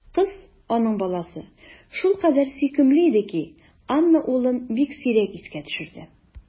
Кыз, аның баласы, шулкадәр сөйкемле иде ки, Анна улын бик сирәк искә төшерде.